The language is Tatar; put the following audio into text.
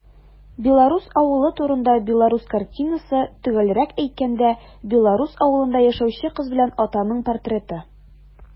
Белорус авылы турында белорус картинасы - төгәлрәк әйткәндә, белорус авылында яшәүче кыз белән атаның портреты.